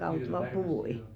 kyllä varmasti joo